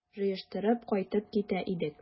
Җыештырып кайтып китә идек...